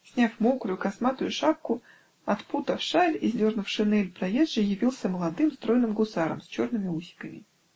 Сняв мокрую, косматую шапку, отпутав шаль и сдернув шинель, проезжий явился молодым, стройным гусаром с черными усиками.